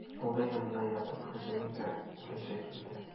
Улы янына ятып үзенең дә үләсе килде.